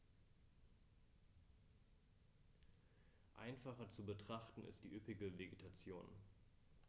Einfacher zu betrachten ist die üppige Vegetation.